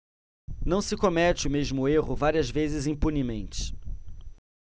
não se comete o mesmo erro várias vezes impunemente